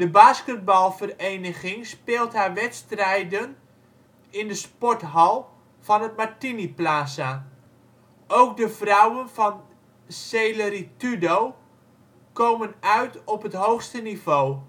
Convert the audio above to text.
basketbalvereniging speelt haar wedstrijden in de sporthal van het Martiniplaza. Ook de vrouwen van Celeritudo komen uit op het hoogste niveau